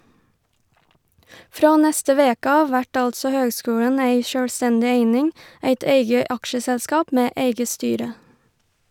Frå neste veke av vert altså høgskulen ei sjølvstendig eining, eit eige aksjeselskap med eige styre.